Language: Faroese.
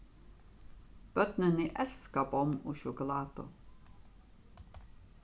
børnini elska bomm og sjokulátu